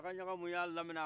sagaɲagamu y' a laminɛ